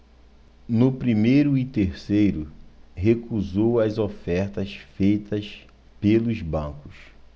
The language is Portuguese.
no primeiro e terceiro recusou as ofertas feitas pelos bancos